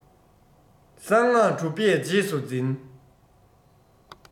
གསང སྔགས གྲུབ པས རྗེས སུ འཛིན